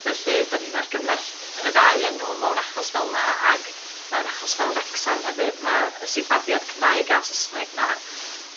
felly 'dan ni'n argymell y ddau enw mewn achos fel 'na ag mewn achos fel Wrecsam hefyd ma' y sillafiad Cymraeg a Sysneg 'na